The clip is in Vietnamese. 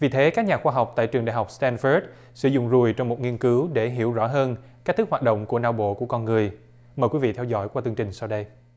vì thế các nhà khoa học tại trường đại học sờ tran phớt sử dụng ruồi trong một nghiên cứu để hiểu rõ hơn cách thức hoạt động của não bộ của con người mời quý vị theo dõi qua chương trình sau đây